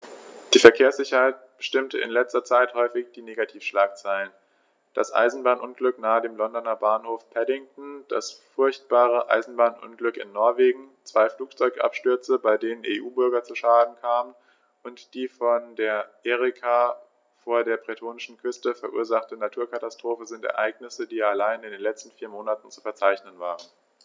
Die Verkehrssicherheit bestimmte in letzter Zeit häufig die Negativschlagzeilen: Das Eisenbahnunglück nahe dem Londoner Bahnhof Paddington, das furchtbare Eisenbahnunglück in Norwegen, zwei Flugzeugabstürze, bei denen EU-Bürger zu Schaden kamen, und die von der Erika vor der bretonischen Küste verursachte Naturkatastrophe sind Ereignisse, die allein in den letzten vier Monaten zu verzeichnen waren.